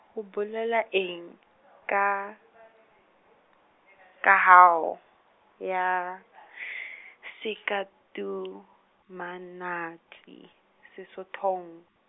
ho bolelwa eng, ka, kaho ya sekatumanotshi Sesothong.